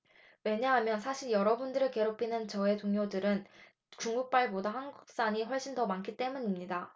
왜냐하면 사실 여러분들을 괴롭히는 저의 동료들은 중국발보다 한국산이 훨씬 더 많기 때문입니다